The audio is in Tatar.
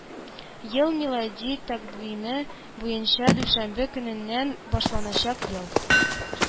Ел – милади тәкъвиме буенча дүшәмбе көненнән башланачак ел